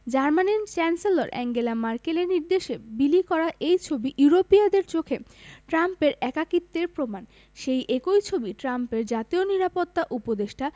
জার্মানির chancellor Angela ম্যার্কেলের নির্দেশে বিলি করা এই ছবি ইউরোপীয়দের চোখে ট্রাম্পের একাকিত্বের প্রমাণ সেই একই ছবি ট্রাম্পের জাতীয় নিরাপত্তা উপদেষ্টা